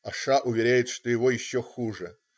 А Ш. уверяет, что его еще хуже.